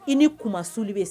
I ni kuma suli bɛ